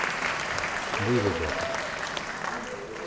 mýrugøta